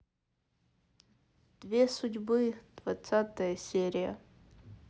две судьбы двадцатая серия